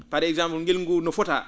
par exemple ngilngu ngu no fotaa